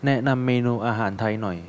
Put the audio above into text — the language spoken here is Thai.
แนะนำเมนูอาหารไทยหน่อย